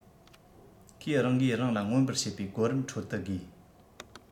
ཁོས རང གིས རང ལ མངོན པར བྱེད པའི གོ རིམ ཁྲོད དུ དགོས